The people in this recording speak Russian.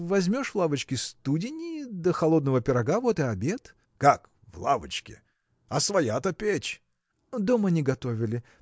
возьмешь в лавочке студени да холодного пирога – вот и обед! – Как, в лавочке? а своя-то печь? – Дома не готовили.